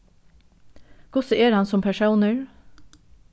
hvussu er hann sum persónur